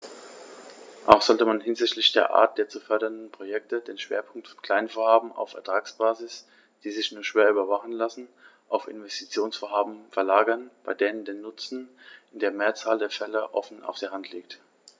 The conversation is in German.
Auch sollte man hinsichtlich der Art der zu fördernden Projekte den Schwerpunkt von Kleinvorhaben auf Ertragsbasis, die sich nur schwer überwachen lassen, auf Investitionsvorhaben verlagern, bei denen der Nutzen in der Mehrzahl der Fälle offen auf der Hand liegt.